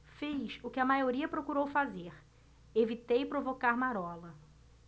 fiz o que a maioria procurou fazer evitei provocar marola